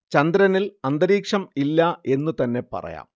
ചന്ദ്രനില്‍ അന്തരീക്ഷം ഇല്ല എന്നു തന്നെ പറയാം